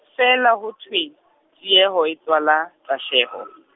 feela ho thwe, tieho e tswala, tahleho.